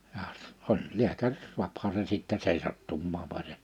ja oli lääkäri saahan sen sitten seisahtumaan vaan se